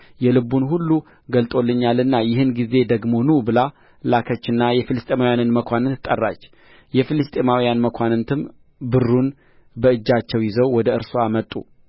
የልቡን ሁሉ ገልጦልኛልና ይህን ጊዜ ደግሞ ኑ ብላ ላከችና የፍልስጥኤማውያንን መኳንንት ጠራች የፍልስጥኤማውያን መኳንንትም ብሩን በእጃቸው ይዘው ወደ እርስዋ መጡ